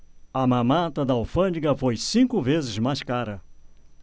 a mamata da alfândega foi cinco vezes mais cara